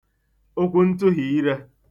okwuntụ̀hị̄ịre